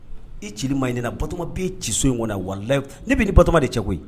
E ci ma ɲin batoma be ci so in kɔnɔ na waliyi ne bɛ ni batoma de cɛ koyi